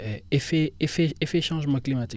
effet effet effet changement climatique yi